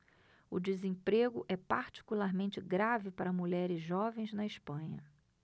o desemprego é particularmente grave para mulheres jovens na espanha